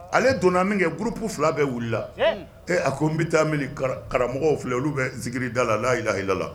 Ale donna min kɛ gp fila bɛ wili a ko n bɛ taa mi karamɔgɔw filɛ olu bɛiiri da la la lahi la